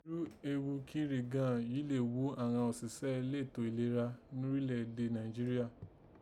Irú eghu kíri gan yìí lè ghù àghan òsìsẹ́ elétò ìlera norílẹ̀èdè Nàìjíríà?